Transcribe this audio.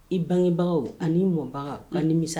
I bangebagaw an'i mɔbaga ka nimisa